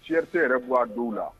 Cɛ tɛ yɛrɛ' a dɔw la